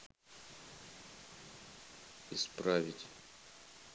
исправить